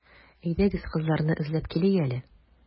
Әйдәгез, кызларны эзләп килик әле.